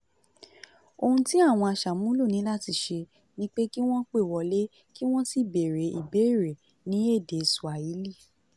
Ohun tí àwọn aṣàmúlò ní láti ṣe ni pé kí wọ́n pè wọlé kí wọ́n sì bèrè ìbéèrè ní èdè Swahili.